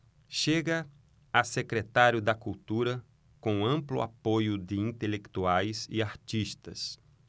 chega a secretário da cultura com amplo apoio de intelectuais e artistas